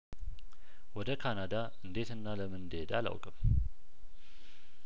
ወደ ካናዳ እንዴትና ለምን እንደሄደ አላውቅም